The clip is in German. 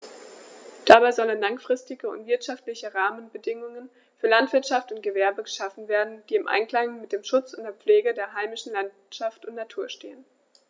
Dabei sollen langfristige und wirtschaftliche Rahmenbedingungen für Landwirtschaft und Gewerbe geschaffen werden, die im Einklang mit dem Schutz und der Pflege der heimischen Landschaft und Natur stehen.